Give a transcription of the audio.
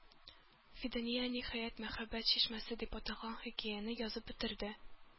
Фидания, ниһаять, "Мәхәббәт чишмәсе" дип аталган хикәяне язып бетерде.